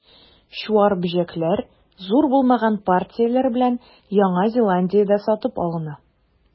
Чуар бөҗәкләр, зур булмаган партияләр белән, Яңа Зеландиядә сатып алына.